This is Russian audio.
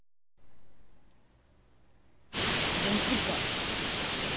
занзибар